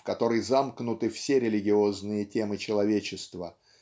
в который замкнуты все религиозные темы человечества